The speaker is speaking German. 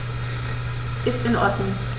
Ist in Ordnung.